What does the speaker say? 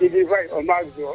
Youssou Faye o maak soo